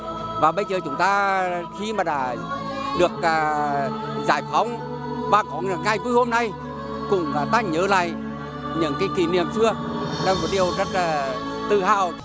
và bây giờ chúng ta khi mà đã được ờ giải phóng và có ngày như hôm nay chúng ta nhớ lại những cái kỷ niệm xưa là một điều rất là tự hào